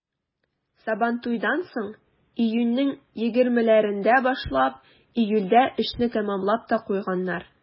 Сабантуйдан соң, июньнең егермеләрендә башлап, июльдә эшне тәмамлап та куйганнар.